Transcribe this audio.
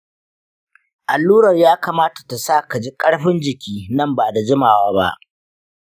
allurar ya kamata ta sa ka ji ƙarfin jiki nan ba da jimawa ba